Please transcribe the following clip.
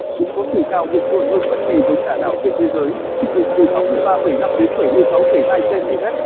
chúng có chiều cao vượt trội hơn bất kỳ giống gà nào trên thế giới trung bình từ đến cm